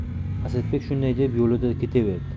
asadbek shunday deb yo'lida ketaverdi